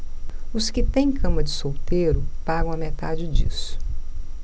os que têm cama de solteiro pagam a metade disso